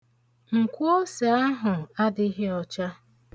Nkwoose ahụ adịghị ọcha.